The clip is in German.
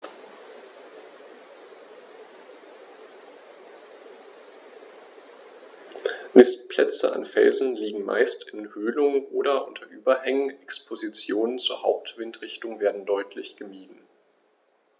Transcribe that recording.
Nistplätze an Felsen liegen meist in Höhlungen oder unter Überhängen, Expositionen zur Hauptwindrichtung werden deutlich gemieden.